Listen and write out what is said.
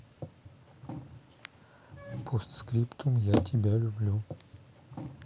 постскриптум я тебя люблю